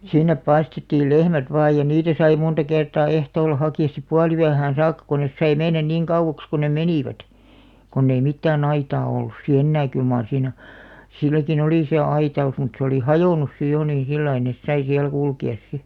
sinne päästettiin lehmät vain ja niitä sai monta kertaa ehtoolla hakea sitten puoliyöhön saakka kun ne sai mennä niin kauaksi kuin ne menivät kun ei mitään aitaa ollut sitten enää kyllä mar siinä silläkin oli se aitaus mutta se oli hajonnut sitten jo niin sillä lailla ne sai siellä kulkea sitten